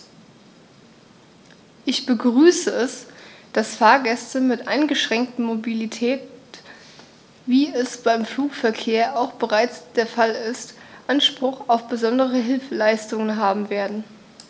Ich begrüße es, dass Fahrgäste mit eingeschränkter Mobilität, wie es beim Flugverkehr auch bereits der Fall ist, Anspruch auf besondere Hilfeleistung haben werden.